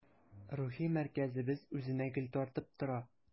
Рухи мәркәзебез үзенә гел тартып тора.